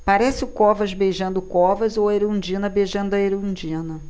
parece o covas beijando o covas ou a erundina beijando a erundina